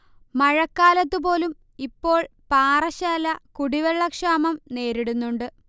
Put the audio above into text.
മഴക്കാലത്ത് പോലും ഇപ്പോൾ പാറശ്ശാല കുടിവെള്ളക്ഷാമം നേരിടുന്നുണ്ട്